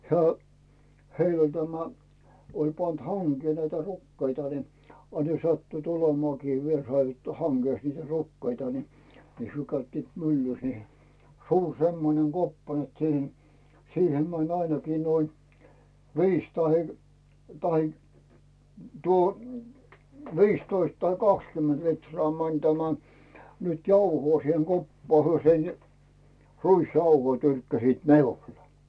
hän heillä oli tämä oli pantu hankeen näitä rukiita niin a ne sattuivat olemaankin vielä saivat hangesta niitä rukiita niin he käyttivät myllyssä niin suuri semmoinen koppa että siihen siihen meni ainakin noin viisi tai tai tuo viisitoista tai kaksikymmentä litraa meni tämä nyt jauhoa siihen koppaan he sen ruisjauhoja tyrkkäsivät minulle